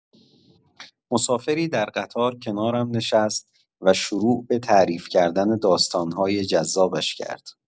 مسافری در قطار کنارم نشست و شروع به تعریف کردن داستان‌های جذابش کرد.